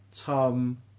Tom.